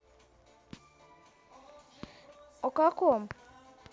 о каком